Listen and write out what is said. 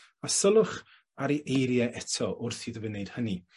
A sylwch ar ei eirie eto wrth iddo fe wneud hynny.